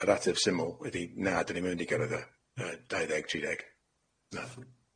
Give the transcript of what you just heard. Yr ateb syml ydi, na, 'dan ni'm yn mynd i gyrredd yy y dau ddeg tri deg, na.